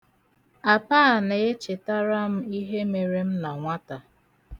Apa a na-echetara m ihe mere m na nwata.